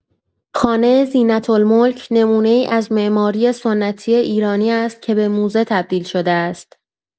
خانه زینت‌الملک نمونه‌ای از معماری سنتی ایرانی است که به موزه تبدیل شده است.